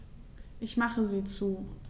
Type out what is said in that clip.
Ich mache sie zu.